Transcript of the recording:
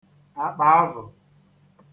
àkpàavụ̀